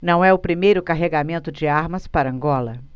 não é o primeiro carregamento de armas para angola